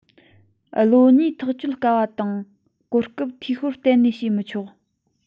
བློ གཉིས ཐག ཆོད དཀའ བ དང གོ སྐབས འཐུས ཤོར གཏན ནས བྱས མི ཆོག